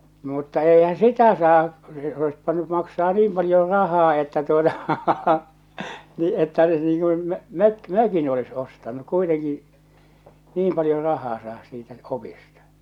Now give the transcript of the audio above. mutta eihän sitä saa se olisi pitänyt maksaa niin paljon rahaa että tuota niin että se niin kuin - mökin olisi ostanut kuitenkin niin paljon rahaa saada siitä opista